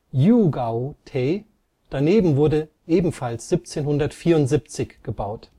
Yūgao-tei) daneben wurde ebenfalls 1774 gebaut